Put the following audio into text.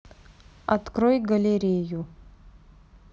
открой галерею